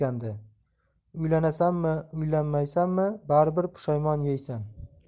jo etgandi uylanasanmi uylanmaysanmi baribir pushaymon yeysan